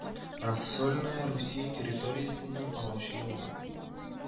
Рассольная Русия территориясеннән агучы елга